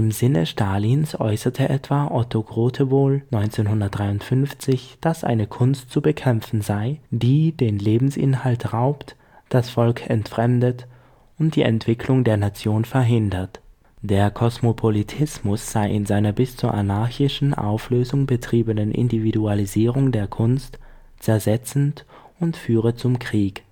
Sinne Stalins äußerte etwa Otto Grotewohl 1953, dass eine Kunst zu bekämpfen sei, die „ den Lebensinhalt raubt, das Volk entfremdet und die Entwicklung der Nation verhindert “. Der Kosmopolitismus sei in seiner „ bis zur anarchischen Auflösung betriebenen Individualisierung der Kunst “zersetzend und führe zum Krieg